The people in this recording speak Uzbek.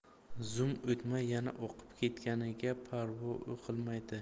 zum o'tmay yana oqib ketganiga parvo qilmaydi